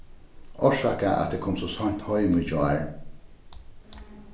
orsaka at eg kom so seint heim í gjár